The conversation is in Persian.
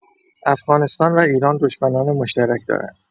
افغانستان و ایران دشمنان مشترک دارند.